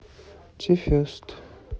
ти фест